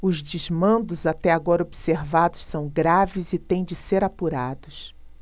os desmandos até agora observados são graves e têm de ser apurados